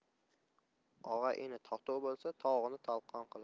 og'a ini totuv bo'lsa tog'ni talqon qilar